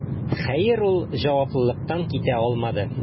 Хәер, ул җаваплылыктан китә алмады: